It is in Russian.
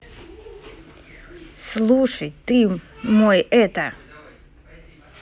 слушай ты мой это